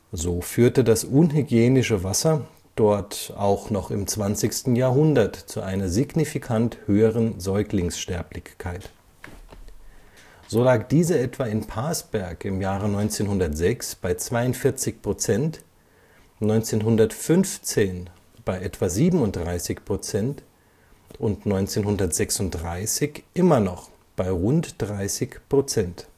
So führte das unhygienische Wasser dort auch noch im 20. Jahrhundert zu einer signifikant höheren Säuglingssterblichkeit. So lag diese etwa in Parsberg im Jahre 1906 bei 42 Prozent, 1915 bei etwa 37 Prozent und 1936 immer noch bei rund 30 Prozent